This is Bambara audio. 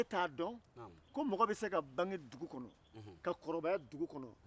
n b'a misali ta ee cɛkɔrɔba dɔ de ma